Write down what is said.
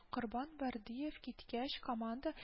Корбан Бәрдыев киткәч, команда